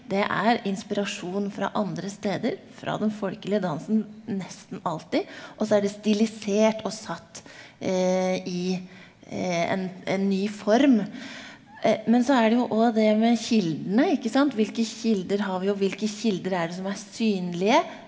det er inspirasjon fra andre steder, fra den folkelige dansen nesten alltid, og så er det stilisert og satt i en en ny form, men så er det jo òg det med kildene ikke sant, hvilke kilder har vi og hvilke kilder er det som er synlige?